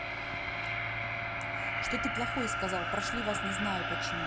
что ты плохой сказал прошли вас не знаю почему